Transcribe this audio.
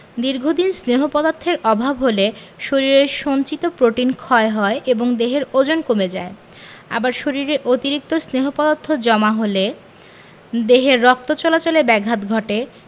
দীর্ঘদিন স্নেহ পদার্থের অভাব হলে শরীরের সঞ্চিত প্রোটিন ক্ষয় হয় এবং দেহের ওজন কমে যায় আবার শরীরে অতিরিক্ত স্নেহ পদার্থ জমা হলে দেহে রক্ত চলাচলে ব্যাঘাত ঘটে